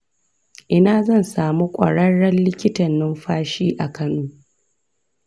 ina zan samu kwararren likitan numfashi a kano?